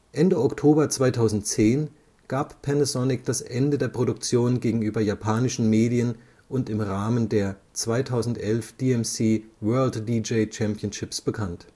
Ende Oktober 2010 gab Panasonic das Ende der Produktion gegenüber japanischen Medien und im Rahmen der „ 2011 DMC World DJ Championships “bekannt